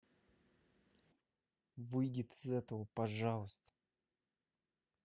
выйдет из этого пожалуйста